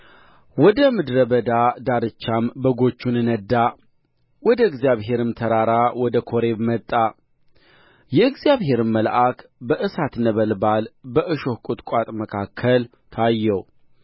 ወደ ምድረ በዳ ዳርቻም በጎቹን ነዳ ወደ እግዚአብሔርም ተራራ ወደ ኮሬብ መጣ የእግዚአብሔርም መልአክ በእሳት ነበልባል በእሾህ ቍጥቋጦ መካከል ታየው